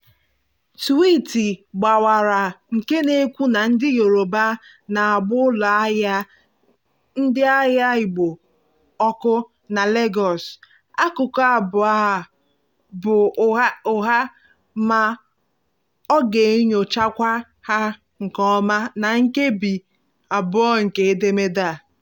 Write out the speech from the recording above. Twiiti gbawara nke na-ekwu na ndị Yoruba na-agba ụlọ ahịa ndị ahịa Igbo ọkụ na Lagos. Akụkọ abụọ a bụ ụgha ma a ga-enyochakwa ha nke ọma na Nkebi II nke edemede a.